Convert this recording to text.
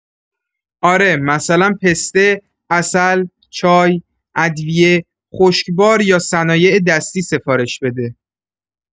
آره، مثلا پسته، عسل، چای، ادویه، خشکبار یا صنایع‌دستی سفارش بده.